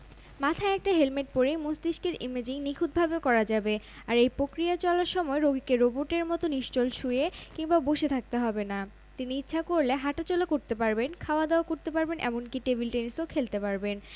সেটি না জেনে ধারাবাহিকে অভিনয় করছি না এখন যে কয়টি ধারাবাহিকে অভিনয় করছি সবগুলোর গল্প ভালো এগুলোতে অভিনয় করতে কোনো সমস্যাও হচ্ছে না দর্শকরা নাটকগুলো ভালোভাবেই নেবেন এ ধারণা আগেই ছিল